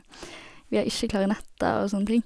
Vi har ikke klarinetter og sånne ting.